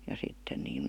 ja sitten niin